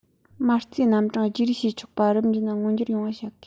མ རྩའི རྣམ གྲངས བརྗེ རེས བྱས ཆོག པ རིམ བཞིན མངོན འགྱུར ཡོང བ བྱ དགོས